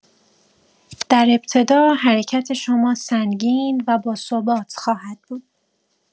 در ابتدا حرکت شما سنگین و باثبات خواهد بود.